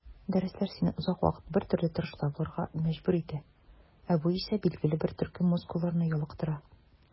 Дәресләр сине озак вакыт бертөрле торышта булырга мәҗбүр итә, ә бу исә билгеле бер төркем мускулларны ялыктыра.